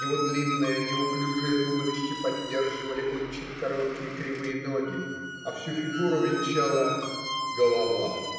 Его длинное неуклюжее туловище поддерживали очень короткие кривые ноги, а всю фигуру венчала голова.